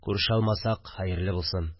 Күрешә алмасак – хәерле булсын